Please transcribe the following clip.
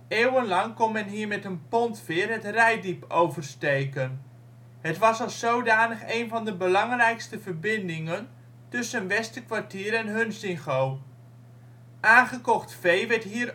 Eeuwenlang kon men hier met een pontveer het Reitdiep oversteken. Het was als zodanig een van de belangrijkste verbindingen tussen Westerkwartier en Hunsingo. Aangekocht Vee werd hier